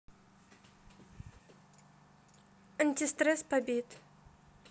антистресс побит